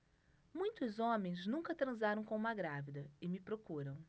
muitos homens nunca transaram com uma grávida e me procuram